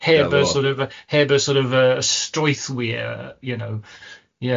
heb y sort of yy strwythwyr, you know, yeah.